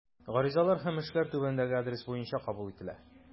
Гаризалар һәм эшләр түбәндәге адрес буенча кабул ителә.